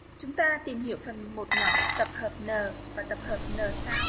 chúng ta tìm hiểu phần nhỏ tập hợp n và tập hợp n sao